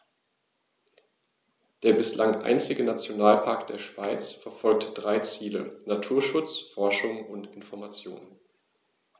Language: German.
Der bislang einzige Nationalpark der Schweiz verfolgt drei Ziele: Naturschutz, Forschung und Information.